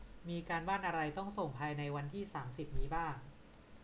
มีการบ้านอะไรต้องส่งภายในวันที่สามสิบนี้บ้าง